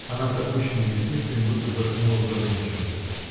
Она с опущенными ресницами будто заснула в задумчивости.